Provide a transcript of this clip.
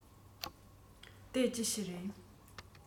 དེ ཅི ཞིག རེད